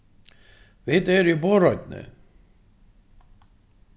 vit eru í borðoynni